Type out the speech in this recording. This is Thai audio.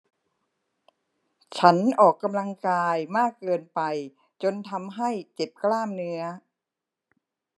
ฉันออกกำลังกายมากเกินไปจนทำให้เจ็บกล้ามเนื้อ